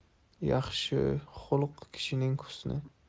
yaxshi xulq kishining husni